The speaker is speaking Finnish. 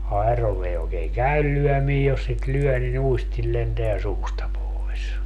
airolla ei oikein käy lyöminen jos sitä lyö niin uistin lentää suusta pois